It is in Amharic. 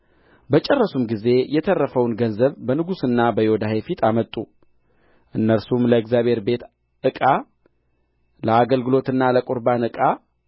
በጨረሱም ጊዜ የተረፈውን ገንዘብ በንጉሡና በዮዳሄ ፊት አመጡ እነርሱም ለእግዚአብሔር ቤት ዕቃ ለአገልግሎትና ለቍርባን ዕቃ